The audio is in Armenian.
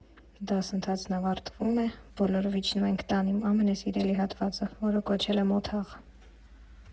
Դասընթացն ավարտվում է, բոլորով իջնում ենք տան իմ ամենասիրելի հատվածը, որը կոչել եմ Օթաղ։